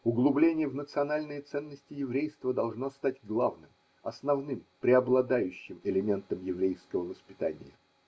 Углубление в национальные ценности еврейства должно стать главным, основным, преобладающим элементом еврейского воспитания.